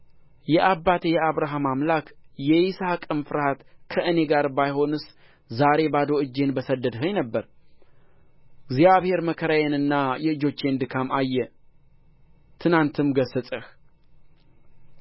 የአባቴ የአብርሃም አምላክ የይስሐቅም ፍርሃት ከእኔ ጋር ባይሆንስ ዛሬ ባዶ እጄን በሰደድኸኝ ነበር እግዚአብሔር መከራዬንና የእጆቼን ድካም አየ ትናንትም ገሠጸህ